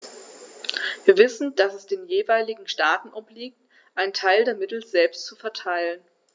Wir wissen, dass es den jeweiligen Staaten obliegt, einen Teil der Mittel selbst zu verteilen.